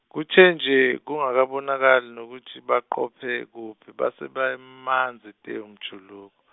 kuthe nje, kungakabonakali nokuthi baqophe, kuphi base bemanzi te, umjuluko.